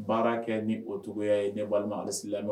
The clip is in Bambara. Baara kɛ ni o cogoyaya ye walima alisila